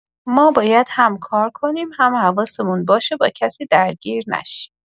ما باید هم کار کنیم، هم حواسمون باشه با کسی درگیر نشیم.